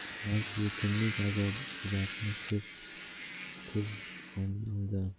balki yetimlik azob uqubatini ko'p tortganidan